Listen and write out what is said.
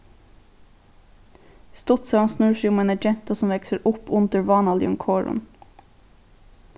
stuttsøgan snýr seg um eina gentu sum veksur upp undir vánaligum korum